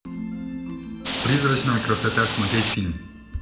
призрачная красота смотреть фильм